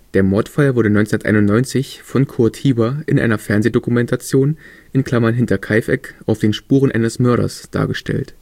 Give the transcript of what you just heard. Der Mordfall wurde 1991 von Kurt Hieber in einer Fernsehdokumentation (Hinterkaifeck - Auf den Spuren eines Mörders) dargestellt